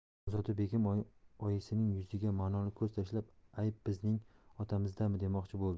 xonzoda begim oyisining yuziga manoli ko'z tashlab ayb bizning otamizdami demoqchi bo'ldi